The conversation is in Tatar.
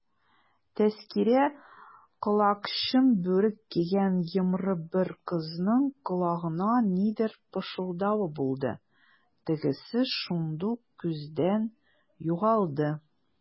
Тәзкирә колакчын бүрек кигән йомры бер кызның колагына нидер пышылдавы булды, тегесе шундук күздән югалды.